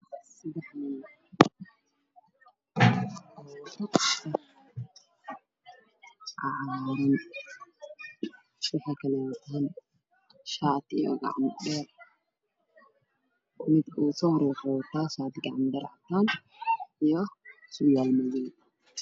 Saddex nin oo isla socoto oo wadato sharar tay waalo midka kusoo horreeya wuxuu wataa shatacdaan madow